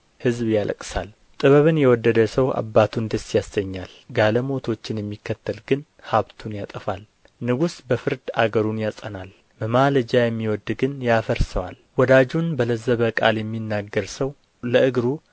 ሕዝብ ያለቅሳል ጥበብን የወደደ ሰው አባቱን ደስ ያሰኛል ጋለሞቶችን የሚከተል ግን ሀብቱን ያጠፋል ንጉሥ በፍርድ አገሩን ያጸናል መማለጃ የሚወድድ ግን ያፈርሰዋል ወዳጁን በለዘበ ቃል የሚናገር ሰው ለእግሩ